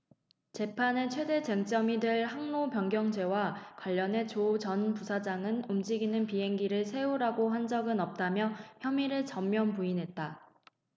재판의 최대 쟁점이 될 항로변경죄와 관련해 조 전 부사장은 움직이는 비행기를 세우라고 한 적은 없다며 혐의를 전면 부인했다